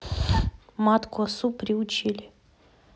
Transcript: матку осу приучили